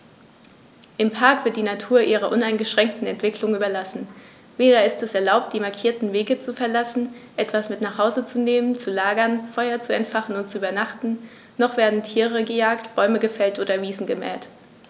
Im Park wird die Natur ihrer uneingeschränkten Entwicklung überlassen; weder ist es erlaubt, die markierten Wege zu verlassen, etwas mit nach Hause zu nehmen, zu lagern, Feuer zu entfachen und zu übernachten, noch werden Tiere gejagt, Bäume gefällt oder Wiesen gemäht.